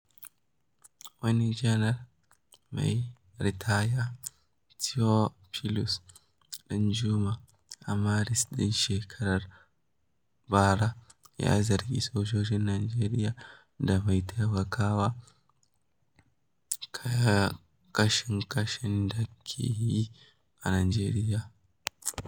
Wani janar mai ritaya, Theophilus ɗanjuma, a Maris ɗin shekarar bara ya zargi "sojojin Najeriya da taimakawa kashe-kashen da ake yi a yau a Najeriya".